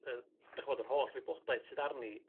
yy 'dych'mod yr holl wybodaeth sydd arni